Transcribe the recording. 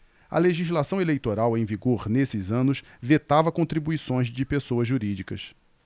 a legislação eleitoral em vigor nesses anos vetava contribuições de pessoas jurídicas